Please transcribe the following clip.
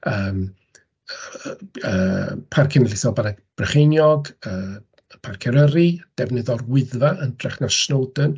Yym, yym, Parc Cenedlaethol Bannau Brycheiniog, yy Parc Eryri, defnydd o'r Wyddfa yn hytrach na Snowdon.